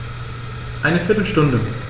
Eine viertel Stunde